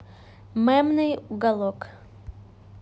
мемный уголок